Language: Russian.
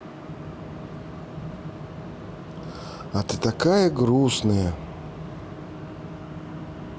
а ты такая грустная